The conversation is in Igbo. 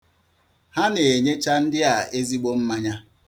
Ha na-enyecha ndị a ezigbo mmanya.